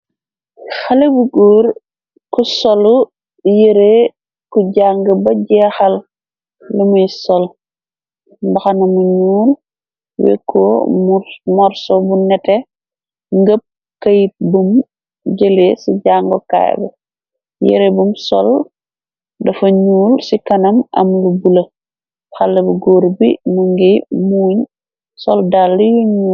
Xale bu góor ku solu yere ku jàng ba jeexal lumuy sol mbaxana bu ñuul, wekkoo morso bu nete, ngëpp këyit bum jële ci jàngokaay ba, yëre bum sol dafa ñuul ci kanam, am lu bule, xale bu góor bi mu ngiy muuñ sol daalle yu ñuul.